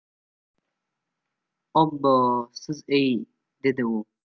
obbo siz ey dedi u